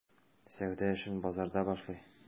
Сәүдә эшен базарда башлый.